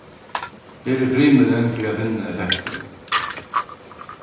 her er frymilin fyri at finna effektina